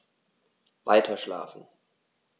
Weiterschlafen.